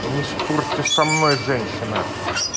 не спорьте со мной женщина